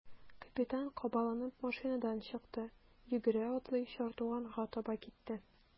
Капитан кабаланып машинадан чыкты, йөгерә-атлый чардуганга таба китте.